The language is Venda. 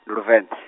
Luvend-.